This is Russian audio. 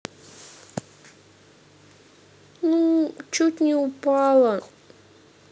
ну чуть не упала